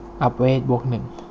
อัพเวทบวกหนึ่ง